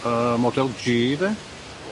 Y model Gee de?